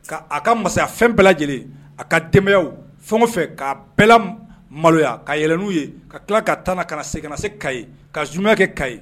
Ka aa ka mansaya fɛn bɛɛ lajɛlen a ka dɛmɛ fɛn fɛ k'a bɛɛ maloya kaɛlɛn n'u ye ka tila ka taa ka segin ka se ka ye ka z kɛ ka ye